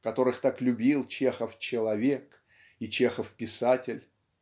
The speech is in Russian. которых так любил Чехов-человек и Чеховписатель.